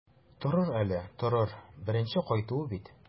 Торыр әле, торыр, беренче кайтуы бит.